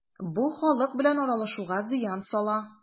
Бу халык белән аралашуга зыян сала.